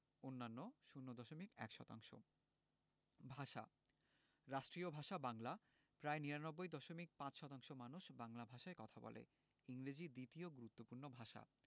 অন্যান্য ০দশমিক ১ শতাংশ ভাষাঃ রাষ্ট্রীয় ভাষা বাংলা প্রায় ৯৯দশমিক ৫শতাংশ মানুষ বাংলা ভাষায় কথা বলে ইংরেজি দ্বিতীয় গুরুত্বপূর্ণ ভাষা